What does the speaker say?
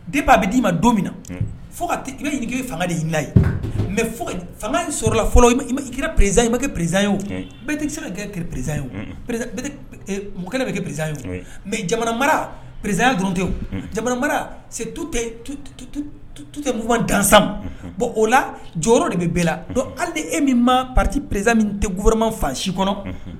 Den b'a bɛ d'i ma don min na fo i fanga deina ye mɛ fanga sɔrɔla fɔlɔ prezyi bɛ kɛ perez ye oo berese ka pere-erez yeo mɔkɛ bɛ kɛ perez yeo mɛ jamana mara prezya dɔrɔnte jamana mara se tu tute b' dansa bon o la jɔyɔrɔ de bɛ bɛɛ la don hali e min ma p pariti prezsan tɛ guguoroman faasi kɔnɔ